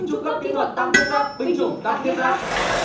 trung cấp kỹ thuật tăng thiết giáp binh chủng tăng thiết giáp